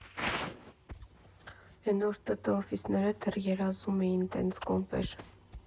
Էն որ տտ օֆիսները դեռ երազում էին՝ տենց կոմպ էր։